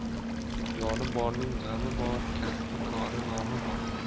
joni borning g'ami bor kasbi kori nomi bor